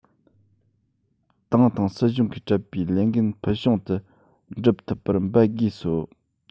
ཏང དང སྲིད གཞུང གིས སྤྲད པའི ལས འགན ཕུལ བྱུང དུ འགྲུབ ཐུབ པར འབད དགོས སོ